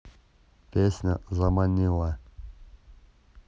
песня заманила